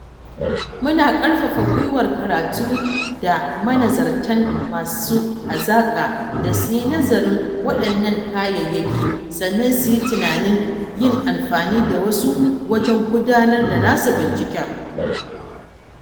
Muna ƙarfafa gwiwar karatu da manazartan masu hazaƙa da su yi nazarin waɗannan kayayaki sannan su yi tunanin yin amfani da wasu wajen gudanar da nasu binciken.